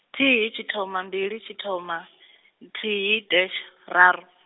thihi tshithoma mbili tshithoma, nthihi dash, raru.